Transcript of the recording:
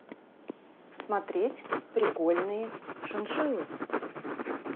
смотреть прикольные шиншиллы